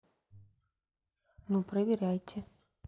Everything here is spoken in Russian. ну проверяете